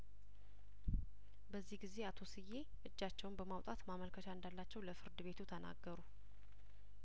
በዚህ ጊዜ አቶ ስዬ እጃቸውን በማውጣት ማመልከቻ እንዳላቸው ለፍርድ ቤቱ ተናገሩ